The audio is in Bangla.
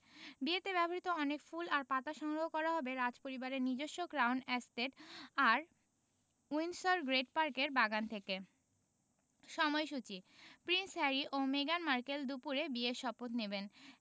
বিয়েতে ব্যবহৃত অনেক ফুল আর পাতা সংগ্রহ করা হবে রাজপরিবারের নিজস্ব ক্রাউন এস্টেট আর উইন্ডসর গ্রেট পার্কের বাগান থেকে সময়সূচি প্রিন্স হ্যারি ও মেগান মার্কেল দুপুরে বিয়ের শপথ নেবেন